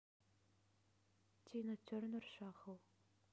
тина тернер шахл